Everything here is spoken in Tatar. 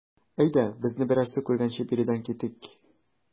Әйдә, безне берәрсе күргәнче биредән китик.